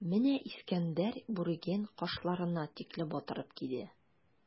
Менә Искәндәр бүреген кашларына тикле батырып киде.